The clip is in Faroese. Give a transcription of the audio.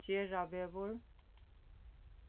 gerðavegur